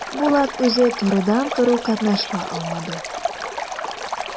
Булат үзе турыдан-туры катнаша алмады.